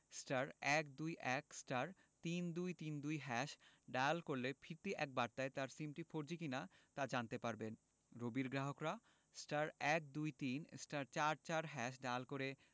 *১২১*৩২৩২# dial করলে ফিরতি এক বার্তায় তার সিমটি ফোরজি কিনা তা জানতে পারবেন রবির গ্রাহকরা *১২৩*৪৪# ডায়াল করে